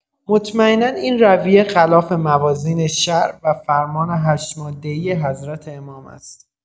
مطمئنا این رویه خلاف موازین شرع و فرمان هشت‌ماده‌ای حضرت امام است.